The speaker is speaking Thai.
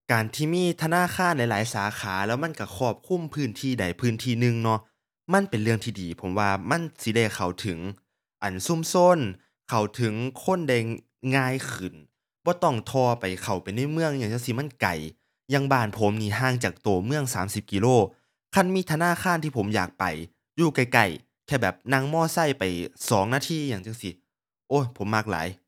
การที่มีธนาคารหลายหลายสาขาแล้วมันก็ครอบคลุมพื้นที่ใดพื้นที่หนึ่งเนาะ มันเป็นเรื่องที่ดีผมว่ามันสิได้เข้าถึง อั่น ชุมชน เข้าถึงคนได้ง่ายขึ้น บ่ต้องถ่อไป เข้าไปในเมืองอิหยังจั่งซี้มันไกล อย่างบ้านผมนี่ห่างจากก็เมืองสามสิบกิโล คันมีธนาคารที่ผมอยากไปอยู่ใกล้ใกล้ แค่แบบนั่งมอไซค์ไปสองนาทีอิหยังจั่งซี้ โอ๊ย ผมมักหลาย